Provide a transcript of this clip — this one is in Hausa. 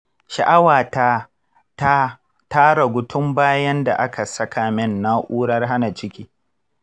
sha’awata ta, ta ragu tun bayan da aka saka min na’urar hana ciki .